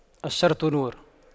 الشرط نور